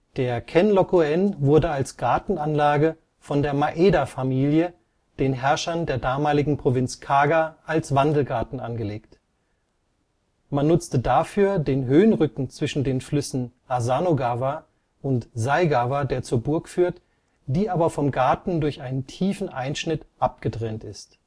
Der Kenroku-en wurde als Gartenanlage von der Maeda-Familie, den Herrschern der damaligen Provinz Kaga als Wandelgarten angelegt. Man nutzte dafür den Höhenrücken zwischen den Flüssen Asanogawa und Saigawa, der zur Burg führt, die aber vom Garten durch einen tiefen Einschnitt abgetrennt ist